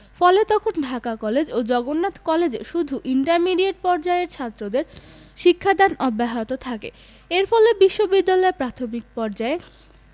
ফলে তখন ঢাকা কলেজ ও জগন্নাথ কলেজে শুধু ইন্টারমিডিয়েট পর্যায়ের ছাত্রদের শিক্ষাদান অব্যাহত থাকে এর ফলে বিশ্ববিদ্যালয়ে প্রাথমিক পর্যায়ে